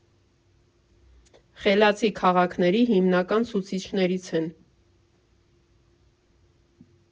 «Խելացի քաղաքների» հիմնական ցուցիչներից են՝